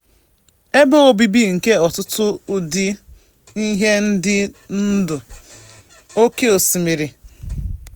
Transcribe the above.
Ebe obibi nke ọtụtụ ụdị ihe ndị dị ndụ n'oké osimiri (nakwa isi iyi ịkụ azụ maka ndị ọkụ azụ na mpaghara ahụ), ha na-echebekwa ụsọ oké osimiri site n'igbochi mbuze ebili mmiri na mmetụta nke okpomọọkụ oke ifufe.